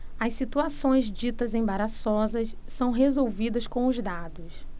as situações ditas embaraçosas são resolvidas com os dados